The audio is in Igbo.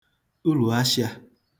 ulù ashịā